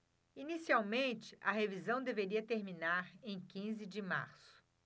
inicialmente a revisão deveria terminar em quinze de março